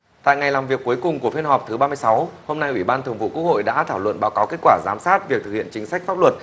tại ngày làm việc cuối cùng của phiên họp thứ ba sáu hôm nay ủy ban thường vụ quốc hội đã thảo luận báo cáo kết quả giám sát việc thực hiện chính sách pháp luật